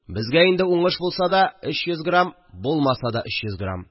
Безгә инде уңыш булса да – өч йөз грамм, булмаса да – өч йөз грамм